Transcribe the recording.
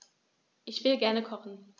Ich will gerne kochen.